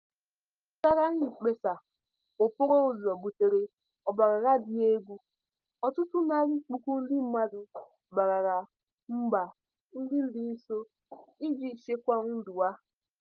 Ngagharị mkpesa okporoụzọ butere ọgbaaghara dị egwu, ọtụtụ narị puku ndị mmadụ gbabara mba ndị dị nso iji chekwa ndụ ha.